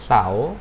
เสาร์